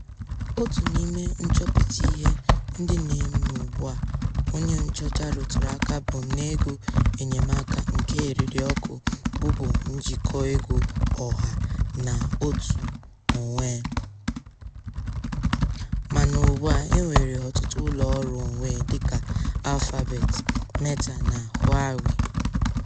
Otu n'ime nchọpụta ihe ndị na-eme ugbua onye nchọcha rụtụrụ aka bụ na ego enyemaaka nke erịrịọkụ bụbu njikọ ego ọha na òtù onwe, mana ugbua e nwere ọtụtụ ụlọọrụ onwe dịka Alphabet, Meta na Huawei.